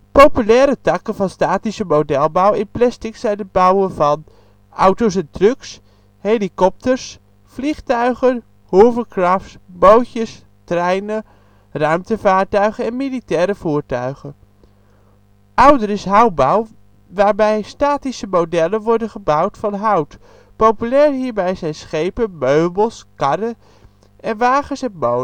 Populaire takken van statische modelbouw in plastic zijn het bouwen van: Auto 's & Trucks Helikopters vliegtuigen Hovercrafts Bootjes treinen Ruimtevaartuigen Militaire voertuigen Ouder is houtbouw, waarbij statische modellen worden gebouwd van hout. Populair hierbij zijn schepen, meubels, karren en wagens en molens